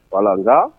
Wala